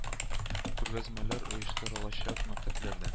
Күргәзмәләр оештырылачак, мәктәпләрдә